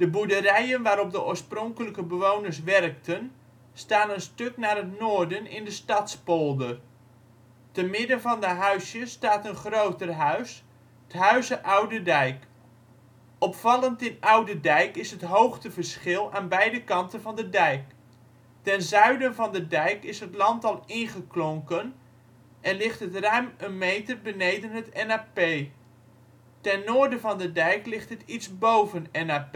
boerderijen waarop de oorspronkelijke bewoners werkten, staan een stuk naar het noorden in de Stadspolder. Te midden van de huisjes staat een groter huis: ' t Huize Oude Dijk. Opvallend in Oudedijk is het hoogteverschil aan beide kanten van de dijk. Ten zuiden van de dijk is het land al ingeklonken en ligt het ruim een meter beneden het NAP. Ten noorden van de dijk ligt het iets boven NAP